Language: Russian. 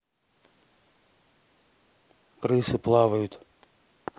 крысы плавают